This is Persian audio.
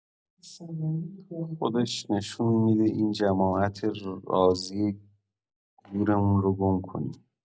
خودش نشون می‌ده این جماعت راضیه گورمون رو گم کنیم.